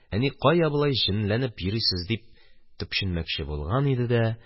Әни: «Кая болай җенләнеп йөрисез?» – дип төпченмәкче булган иде дә,